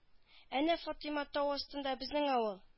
Әнә фатыйма-тау астында безнең авыл